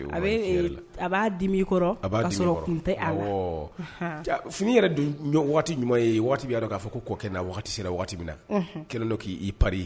A b'a di a sɔrɔ tɛ f yɛrɛ don waati ɲuman ye waati b'a dɔn k'a fɔ ko kɔ kɛna waati sera waati min na kɛlɛ dɔ k'i i pa